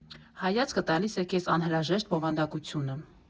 Հայացքը տալիս է քեզ անհրաժեշտ բովանդակությունը։